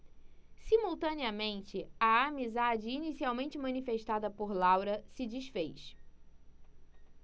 simultaneamente a amizade inicialmente manifestada por laura se disfez